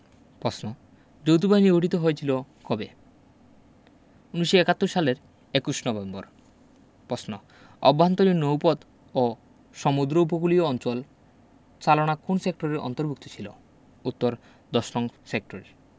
পশ্ন যৌথবাহিনী গঠিত হয়েছিল কবে ১৯৭১ সালের ২১ নভেম্বর পশ্ন আভ্যান্তরীণ নৌপথ ও সমুদ্র উপকূলীয় অঞ্চল চালনা কোন সেক্টরের অন্তভু র্ক্ত ছিল উত্তরঃ ১০নং সেক্টরে